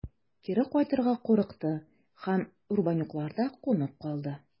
Кире кайтырга курыкты һәм Рубанюкларда кунып калды.